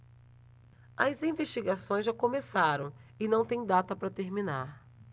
as investigações já começaram e não têm data para terminar